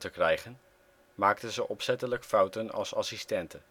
krijgen maakte ze opzettelijk fouten als assistente